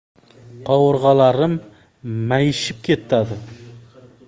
qovurg'alarim mayishib ketadi